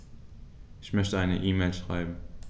Ich möchte eine E-Mail schreiben.